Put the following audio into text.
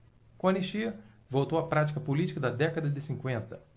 com a anistia voltou a prática política da década de cinquenta